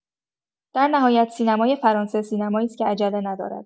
در نهایت، سینمای فرانسه سینمایی است که عجله ندارد.